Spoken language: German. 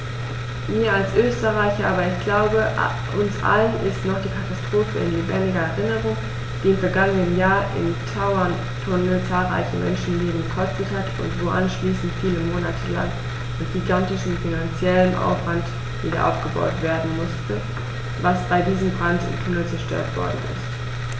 Mir als Österreicher, aber ich glaube, uns allen ist noch die Katastrophe in lebendiger Erinnerung, die im vergangenen Jahr im Tauerntunnel zahlreiche Menschenleben gekostet hat und wo anschließend viele Monate lang mit gigantischem finanziellem Aufwand wiederaufgebaut werden musste, was bei diesem Brand im Tunnel zerstört worden ist.